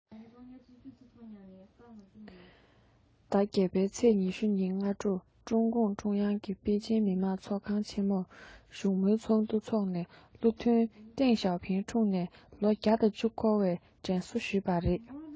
ཟླ ཚེས ཉིན གྱི སྔ དྲོར ཀྲུང གུང ཀྲུང དབྱང གིས པེ ཅིང མི དམངས ཚོགས ཁང ཆེ མོར བཞུགས མོལ ཚོགས འདུ འཚོགས ནས བློ མཐུན ཏེང ཞའོ ཕིང འཁྲུངས ནས ལོ འཁོར བར དྲན གསོ ཞུས པ རེད